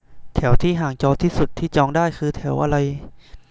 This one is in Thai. แถวที่ห่างจอที่สุดที่จองได้คือแถวอะไร